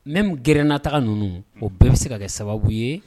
Mɛ n grɛn nna taga ninnu o bɛɛ bɛ se ka kɛ sababu ye